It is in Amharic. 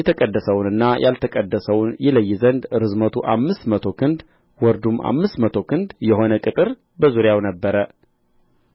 የተቀደሰውንና ያልተቀደሰውን ይለይ ዘንድ ርዝመቱ አምስት መቶ ክንድ ወርዱም አምስት መቶ ክንድ የሆነ ቅጥር በዙሪያው ነበረ